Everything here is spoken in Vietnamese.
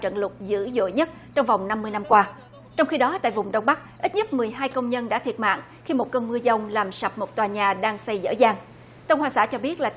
trận lụt dữ dội nhất trong vòng năm mươi năm qua trong khi đó tại vùng đông bắc ít nhất mười hai công nhân đã thiệt mạng khi một cơn mưa giông làm sập một tòa nhà đang xây dở dang tân hoa xã cho biết là từ